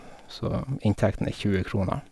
Så inntekten er tjue kroner.